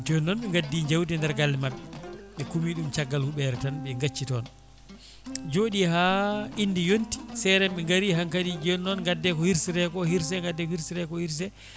joni noon ɓe gaddi jawdi e nder galle mabɓe ɓe kuumi ɗum caggal huɓere tan ɓe gacci toon jooɗi ha inde yonti seremɓe gaari hankkadi joni noon gadde ko hirsete ko hirse gadde ko hirsete ko hirse